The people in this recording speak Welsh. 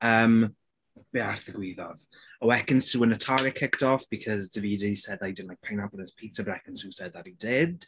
Yym be arall ddigwyddodd? Oh Ekin Su and Natalia kicked off because Davide said that he didn't like pineapple on his pizza but Ekin Su said that he did.